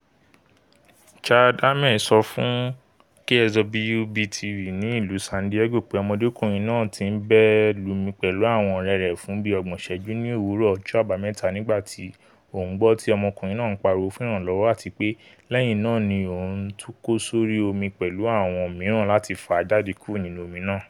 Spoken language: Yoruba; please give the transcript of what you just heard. Chad Hammel sọ fún KSWB-TV ní ìlú San Diego pé ọmọdé kὺnrin náà́ ti ńbẹ́lumi pẹ̀lú àwọn ọ̀rẹ́ rẹ fún bíi ϙgbòn ìṣẹjú ní òwúrọ̀ ọjọ́ Àbámẹ́ta nígbàtí òun gbọ́ tí ọmọkùnrin náà ńpariwo fún ìrànlọ́wọ́ àtipé lẹ́yìn náà ni òun tukọ̀ s’órí omi pẹ̀lú àwọn ̣́miran láti fà á jade kúrô nínú omi náà.